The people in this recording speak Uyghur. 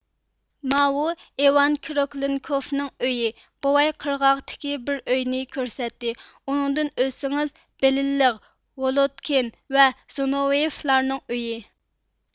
ماۋۇ ئېۋان كروكلىنكوفنىڭ ئۆيى بوۋاي قىرغاقتىكى بىر ئۆينى كۆرسەتتى ئۇنىڭدىن ئۆتسىڭىز بېلىنلېغ ۋولودكىن ۋە زنوۋيېفلارنىڭ ئۆيى